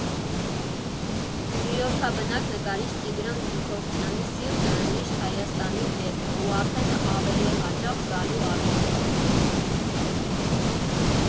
Նյույորքաբնակ նկարիչ Տիգրան Ձիթողցյանի սիրտը միշտ Հայաստանի հետ է ու արդեն ավելի հաճախ գալու առիթ կա.